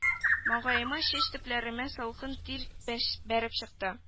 Маңгаема чәч төпләремә салкын тир бәш бәреп чыкты